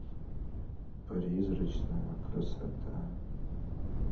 призрачная красота